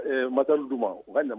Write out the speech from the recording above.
Ɛ matériel d'u ma u ka ɲa